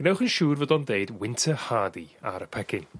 gwnewch yn siŵr fod o'n deud winter hardy ar y pecyn.